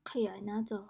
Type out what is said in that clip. ขยายหน้าจอ